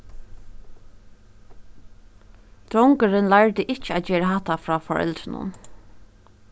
drongurin lærdi ikki at gera hatta frá foreldrunum